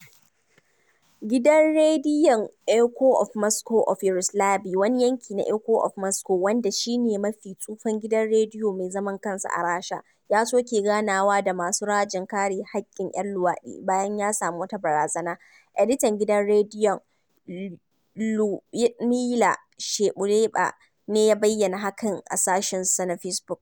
Gidan rediyon Eecho of Moscow a Yyaroslaɓi, wani yanki na Echo of Moscow, wanda shi ne mafi tsufan gidan rediyo mai zaman kansa a Rasha, ya soke ganawa da masu rajin kare haƙƙin 'yan luwaɗi bayan ya sami wata barazana, editan gidan rediyon, Lyudmila Shabuyeɓa ne ya bayyana hakan a shafinsa na Fesbuk: